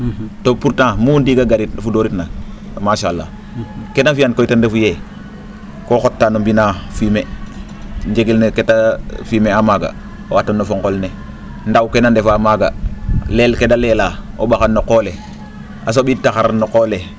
too pourtant muu ndiig a fudooritna machala ke naa fi'an koy ten refu yee koo xota no mbind naa fumier njegel ne kee ta fumier a maaga o atan no fo ngol ne ndaw ke na ndefaa maaga leel ke da leelaa o ?axan no o qol le a so?iid taxar no qol le